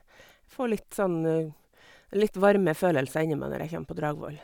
Får litt sånn litt varme følelser inni meg når jeg kjem på Dragvoll.